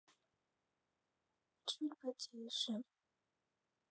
чуть потише